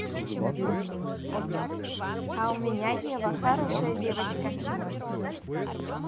а у меня ева хорошая дочка